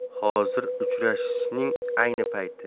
hozir uchrashishning ayni payti